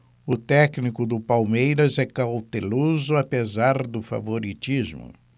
o técnico do palmeiras é cauteloso apesar do favoritismo